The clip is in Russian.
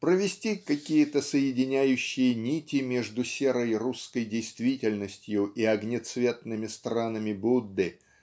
провести какие-то соединяющие нити между серой русской действительностью и огнецветными странами Будды